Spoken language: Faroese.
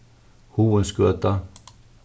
huginsgøta